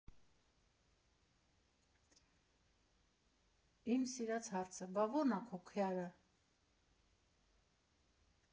«Իմ սիրած հարցը,֊ բա ո՞րն ա քո քյարը։